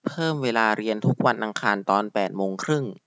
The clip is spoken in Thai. เพิ่มเวลาเรียนทุกวันทำงานตอนแปดโมงครึ่ง